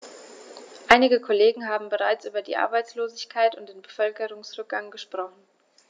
Einige Kollegen haben bereits über die Arbeitslosigkeit und den Bevölkerungsrückgang gesprochen.